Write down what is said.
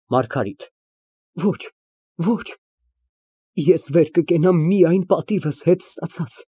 ՄԱՐԳԱՐԻՏ ֊ Ոչ, ոչ, ես վեր կկենամ միայն պատիվս հետ ստացած։